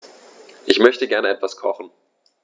Ich möchte gerne etwas kochen.